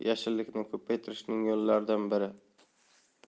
yashillikni ko'paytirishning yo'llaridan biri